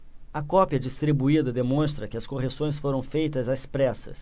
a cópia distribuída demonstra que as correções foram feitas às pressas